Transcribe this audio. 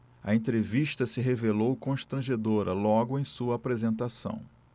a entrevista se revelou constrangedora logo em sua apresentação